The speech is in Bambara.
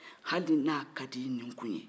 hali n'a ka d'i nikun ye